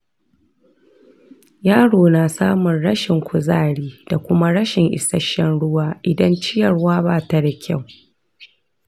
yaro na samun rashin kuzari da kuma rashin isasshen ruwa idan ciyarwa ba ta da kyau.